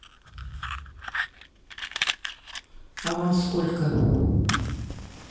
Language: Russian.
а вам сколько